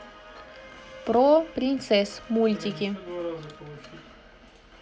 про принцесс мультики